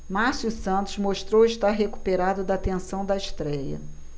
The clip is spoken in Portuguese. márcio santos mostrou estar recuperado da tensão da estréia